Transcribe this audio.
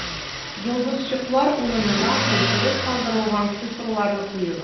Йолдызчыклар урынына төшереп калдырылган цифрларны куегыз: